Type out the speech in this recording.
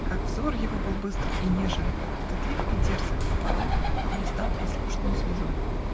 Как взор его был быстр и нежен, Стыдлив и дерзок, а порой Блистал послушною слезой!